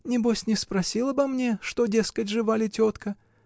Небось, не спросил обо мне: что, дескать, жива ли тетка?